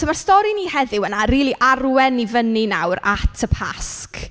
Yym so mae'r stori ni heddiw yn a- rili arwain ni fyny nawr at y Pasg.